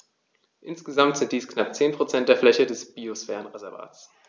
Insgesamt sind dies knapp 10 % der Fläche des Biosphärenreservates.